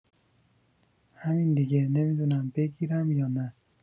همین دیگه نمی‌دونم بگیرم یا نه